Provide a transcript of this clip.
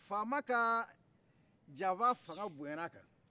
faama ka janfa fanka boɲana a kan